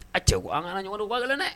A cɛ ko an kana ɲɔgɔn ba dɛ